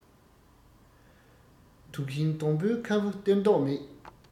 དུག ཤིང སྡོང པོས ཁམ བུ སྟེར མདོག མེད